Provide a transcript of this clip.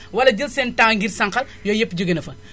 wala jël seen temps ngir sànqal loolu yépp jóge na fa